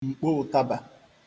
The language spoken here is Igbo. mkpo ụ̀tàbà